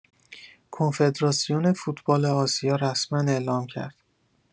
کنفدراسیون فوتبال آسیا رسما اعلام کرد